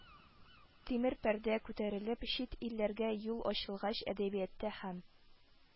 «тимер пәрдә» күтәрелеп, чит илләргә юл ачылгач, әдәбиятта һәм